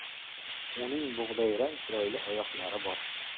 uning bug'doyrang chiroyli oyoqlari bor